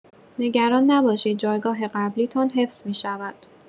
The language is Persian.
نگران نباشید جایگاه قبلی‌تان حفظ می‌شود.